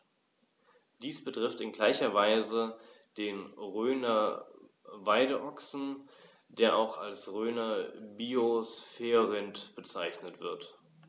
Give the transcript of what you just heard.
Dies betrifft in gleicher Weise den Rhöner Weideochsen, der auch als Rhöner Biosphärenrind bezeichnet wird.